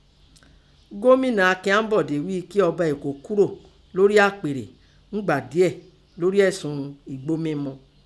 Gómìnà Akin Àḿbọ̀dé ghíi kí ọba Èkó kúò lórí àpèrè úngbà díẹ̀ lóré ẹ̀sùn ẹgbó mímu.